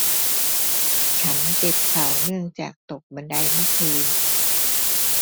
ฉันเจ็บเข่าเนื่องจากตกบันไดเมื่อคืน